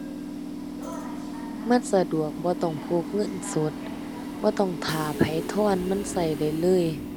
มันสะดวก บ่ต้องพกเงินสด บ่ต้องท่าไผทอน มันใช้ได้เลย